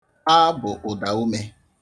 'A' bu ụdaume